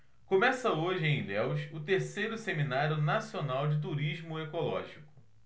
começa hoje em ilhéus o terceiro seminário nacional de turismo ecológico